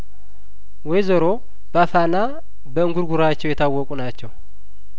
ወይዘሮ ባፋና በእንጉርጉሯቸው የታወቁ ናቸው